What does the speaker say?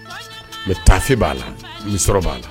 Mais taafe b'a la, misɔrɔ b'a la!